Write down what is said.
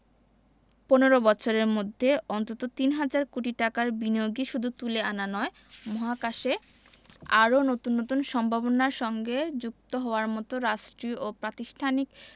১৫ বছরের মধ্যে অন্তত তিন হাজার কোটি টাকার বিনিয়োগই শুধু তুলে আনা নয় মহাকাশে আরও নতুন নতুন সম্ভাবনার সঙ্গে যুক্ত হওয়ার মতো রাষ্ট্রীয় ও প্রাতিষ্ঠানিক